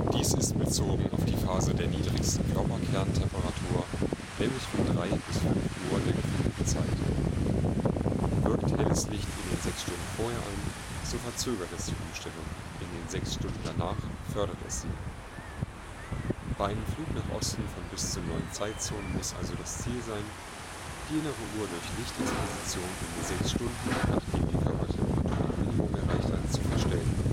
– bezogen auf die Phase der niedrigsten Körperkerntemperatur (3 bis 5 Uhr der gefühlten Zeit) – einen besonderen Einfluss auf die Anpassung an eine Zeitumstellung hat. Wirkt helles Licht in den sechs Stunden vorher ein, so verzögert es die Umstellung, in den sechs Stunden danach fördert es sie. Bei einem Flug nach Osten von bis zu neun Zeitzonen muss also das Ziel sein, die innere Uhr durch Lichtexposition in den sechs Stunden, nachdem die Körpertemperatur ihr Minimum erreicht hat, zu verstellen